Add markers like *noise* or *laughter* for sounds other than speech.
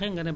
*hesitation* *hesitation*